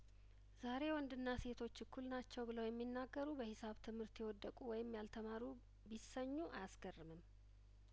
ዛሬ ወንድና ሴቶች እኩል ናቸው ብለው የሚናገሩ በሂሳብ ትምህርት የወደቁ ወይም ያልተማሩ ቢሰኙ አያስገርምም